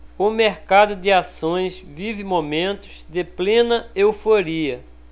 o mercado de ações vive momentos de plena euforia